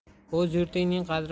o'z yurtingning qadri